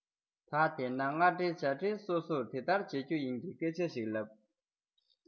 ད དེས ན སྔ སོར བྱ སྤྲེལ སོ སོར འདི ལྟར བྱེད རྒྱུ ཡིན གྱི སྐད ཆ ཞིག ལབ